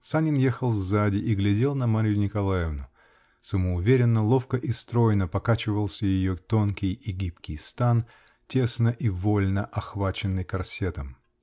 Санин ехал сзади и глядел на Марью Николаевну: самоуверенно, ловко и стройно покачивался ее тонкий и гибкий стан, тесно и вольно охваченный корсетом.